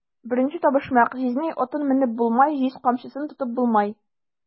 Беренче табышмак: "Җизнәй атын менеп булмай, җиз камчысын тотып булмай!"